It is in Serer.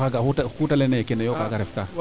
to o xaaga kute leyna yee kene yoo kaaga ref ka